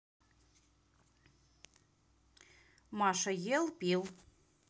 маша ел пил